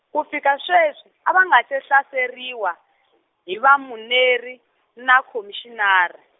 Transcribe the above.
ku fika sweswi, a va nga se hlaseriwa, hi vamuneri, na khomixinari.